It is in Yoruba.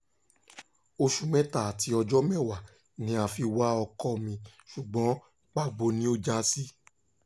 Oṣù mẹ́ta àti ọjọ́ mẹ́wàá ni a fi wá ọkọ mi, ṣùgbọ́n pàbó ni ó já sí ...